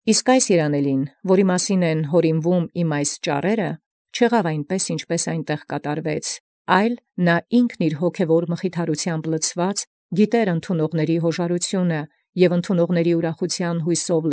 Իսկ այսր երանելւոյ՝ վասն որոյ ճառեալքս յարդարին, ոչ ըստ այնմ աւրինակի, որ անդն գործեցան, այլ ինքն իւրով լցեալ հոգևոր մխիթարութեամբ՝ կարծեալ զընդունելեացն յաւժարութիւնն և ընդունելեացն յուսով ուրախութեան՝